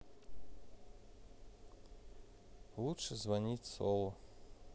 лучше звонить солу